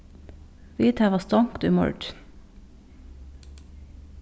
vit hava stongt í morgin